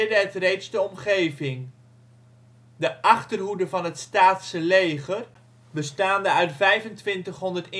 het reeds de omgeving. De achterhoede van het Staatse leger, bestaande uit 2500 infanteriemanschappen